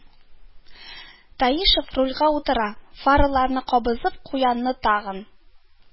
Таишев рульгә утыра, фараларны кабызып куянны тагын